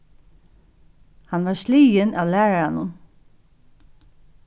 hann varð sligin av læraranum